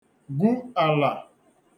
gwu àlà